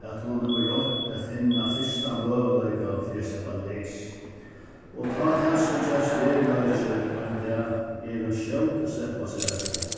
at hon hevur roynt at finna fyrsta møguleika fyri at sleppa leys og tá tað so gerst veruleiki ein dag er hon skjót at sleppa sær avstað